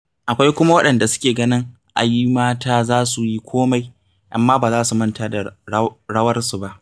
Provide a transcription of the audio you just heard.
Akwai kuma waɗanda suke ganin ai mata za su yi komai, amma ba za su manta da "rawarsu" ba